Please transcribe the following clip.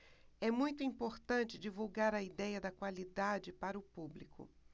é muito importante divulgar a idéia da qualidade para o público